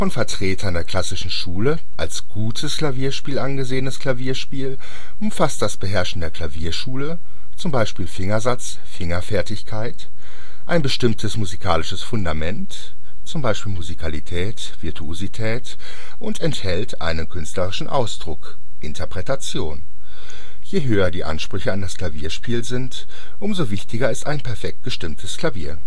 Vertretern der klassischen Schule als " Gutes Klavierspiel " angesehenes Klavierspiel umfasst das Beherrschen der Klavierschule (z.B. Fingersatz, Fingerfertigkeit), ein bestimmtes musikalisches Fundament (z.B. Musikalität, Virtuosität) und enthält einen künstlerischen Ausdruck (Interpretation). Je höher die Ansprüche an das Klavierspiel sind, umso wichtiger ist ein perfekt gestimmtes („ wohltemperiertes “) Klavier